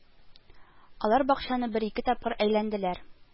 Алар бакчаны бер-ике тапкыр әйләнделәр